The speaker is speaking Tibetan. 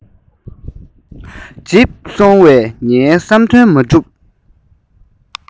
འཇིབས སོང བས ངའི བསམ དོན མ གྲུབ